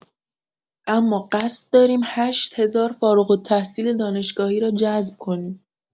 اما قصد داریم ۸ هزار فارغ‌التحصیل دانشگاهی را جذب کنیم.